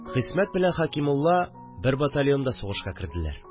Хисмәт белән Хәкимулла бер батальонда сугышка керделәр